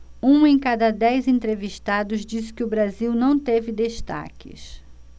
um em cada dez entrevistados disse que o brasil não teve destaques